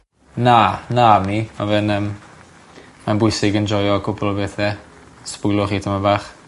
Na na am 'ny. Ma' fe'n yym ma'n bwysig enjoio cwpwl o bethe. Sbwylo chi tymed bach.